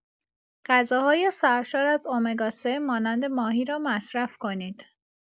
غذاهای سرشار از امگا ۳ مانند ماهی را مصرف کنید.